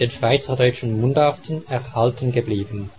schweizerdeutschen Mundarten erhalten geblieben